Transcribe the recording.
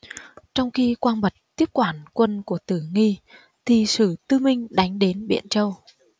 trong khi quang bật tiếp quản quân của tử nghi thì sử tư minh đánh đến biện châu